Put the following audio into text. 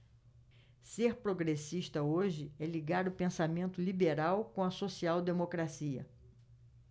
ser progressista hoje é ligar o pensamento liberal com a social democracia